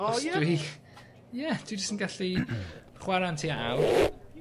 O ie? 'Chos dwi ie dwi jyst yn gallu chware am tua awr